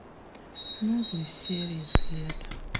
новые серии след